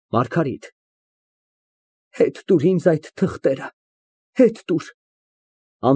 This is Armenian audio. ՄԱՐԳԱՐԻՏ ֊ Հետ տուր ինձ այդ թղթերը, հետ տուր։